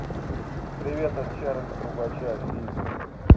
привет от чарли трубача фильм